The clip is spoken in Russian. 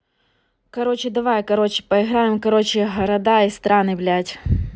короче давай короче поиграем короче в города и страны блядь